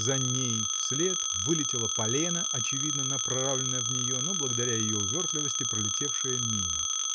За ней вслед вылетело полено, очевидно направленное в нее, но благодаря ее увертливости пролетевшее мимо.